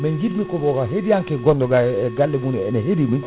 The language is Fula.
mais jidmi ko ko heɗɗi hanke gonɗo gua e galle mum ene heɗiɗum